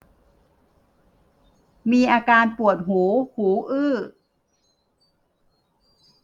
มีอาการปวดหูหูอื้อ